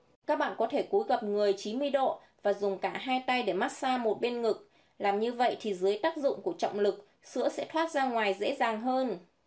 các bạn có thể cúi gập người độ và dùng cả tay để matxa bên ngực làm như vậy thì dưới tác dụng của trọng lực sữa sẽ thoát ra ngoài dễ dàng hơn